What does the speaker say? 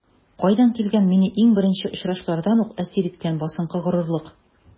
Кайдан килгән мине иң беренче очрашулардан үк әсир иткән басынкы горурлык?